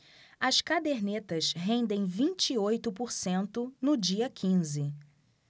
as cadernetas rendem vinte e oito por cento no dia quinze